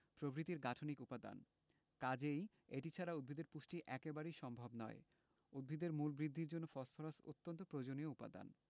প্রভৃতির গাঠনিক উপাদান কাজেই এটি ছাড়া উদ্ভিদের পুষ্টি একেবারেই সম্ভব নয় উদ্ভিদের মূল বৃদ্ধির জন্য ফসফরাস অত্যন্ত প্রয়োজনীয় উপাদান